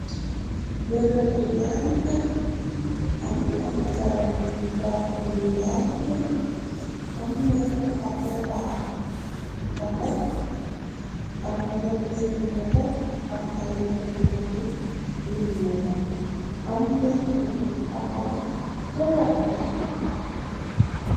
Berëbb yanj am ay karab yu vert yu yanj am nékku xamneda natex am benen nekku natex am ay rëdb bëdd yu ñuul am benn utu bu taxaw ca wet jax.